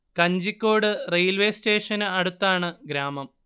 Kanjikode railway സ്റ്റേഷന് അടുത്താണ് ഗ്രാമം